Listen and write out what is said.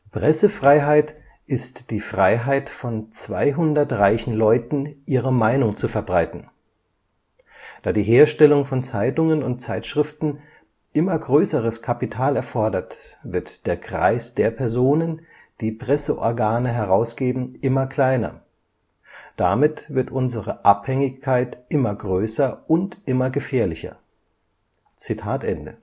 Pressefreiheit ist die Freiheit von 200 reichen Leuten, ihre Meinung zu verbreiten… Da die Herstellung von Zeitungen und Zeitschriften immer größeres Kapital erfordert, wird der Kreis der Personen, die Presseorgane herausgeben, immer kleiner. Damit wird unsere Abhängigkeit immer größer und immer gefährlicher… “Damit